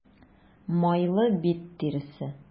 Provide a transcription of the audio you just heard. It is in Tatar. Майлы бит тиресе.